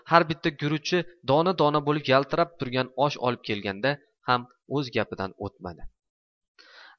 har bitta gurunchi dona dona bo'lib yaltirab turgan osh olib kelganida ham o'z gapiga o'tmadi